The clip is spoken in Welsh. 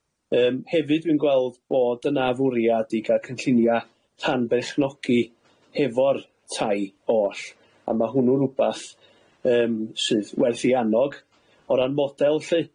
Yym hefyd dwi'n gweld bod yna fwriad i gael cynllunia rhan berchnogi hefo'r tai oll, a ma' hwnnw'n rwbath yym sydd werth i annog o ran model lly